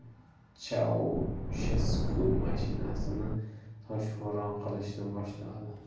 chaushesku mashinasini toshbo'ron qilishni boshladi